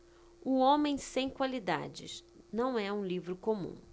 o homem sem qualidades não é um livro comum